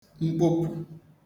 mkpopụ̀